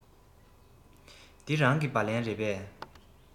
འདི རང གི སྦ ལན རེད པས